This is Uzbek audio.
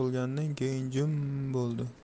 yopilganidan keyin jim buldi